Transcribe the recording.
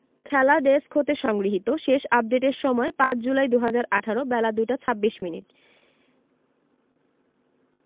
খেলা ডেস্ক হতে সংগৃহীত শেষ আপডেটের সময় ৫ জুলাই ২০১৮ বেলা ২টা ২৬মিনিট